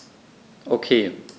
Okay.